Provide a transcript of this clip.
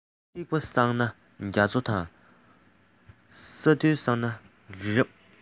ཐིགས པ བསགས ན རྒྱ མཚོ དང ས རྡུལ བསགས ན རི རབ